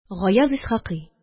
Гаяз Исхакый